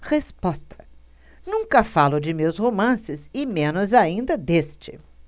resposta nunca falo de meus romances e menos ainda deste